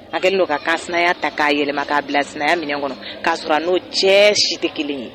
A n'o ka k'a saya ta k'a yɛlɛma k'a bila sina minɛ kɔnɔ k'a sɔrɔ n'o cɛ si tɛ kelen ye